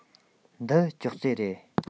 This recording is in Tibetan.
འདི ཅོག ཙེ རེད